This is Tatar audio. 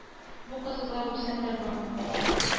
Бу кызызга үлсәм дә бармыйм